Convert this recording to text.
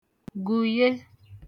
gụ̀ye